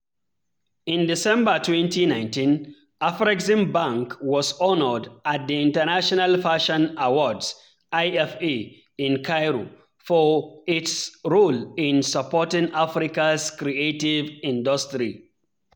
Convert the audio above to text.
In December 2019, Afreximbank was honored at the International Fashion Awards (IFA) in Cairo for its role in supporting Africa's creative industry.